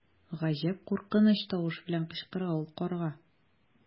Гаҗәп куркыныч тавыш белән кычкыра ул карга.